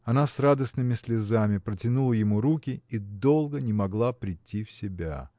Она с радостными слезами протянула ему руки и долго не могла прийти в себя.